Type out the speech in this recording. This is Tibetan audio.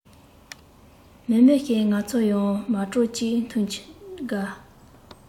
མཱེ མཱེ ཞེས ང ཚོ ཡང མ གྲོས གཅིག མཐུན གྱིས བགད